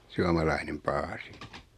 suomalainen paasi